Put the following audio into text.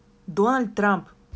дональд трамп